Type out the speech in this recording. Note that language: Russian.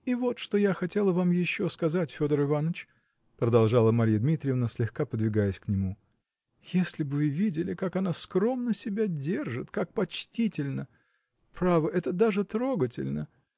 -- И вот что я хотела вам еще сказать, Федор Иваныч, -- продолжала Марья Дмитриевна, слегка подвигаясь к нему, -- если б вы видели, как она скромно себя держит, как почтительна! Право, это даже трогательно.